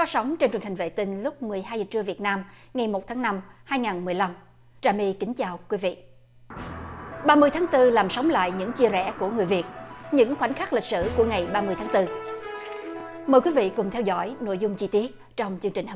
phát sóng trên truyền hình vệ tinh lúc mười hai giờ trưa việt nam ngày một tháng năm hai ngàn mười lăm trà my kính chào quý vị ba mươi tháng tư làm sống lại những chia rẽ của người việt những khoảnh khắc lịch sử của ngày ba mươi tháng tư mời quý vị cùng theo dõi nội dung chi tiết trong chương trình này